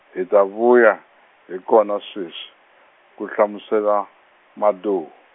hi ta vuya, hi kona sweswi, ku hlamusela, Madou.